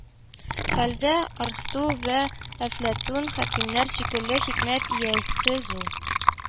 Хәлдә арсту вә әфләтүн хәкимнәр шикелле хикмәт иясе зу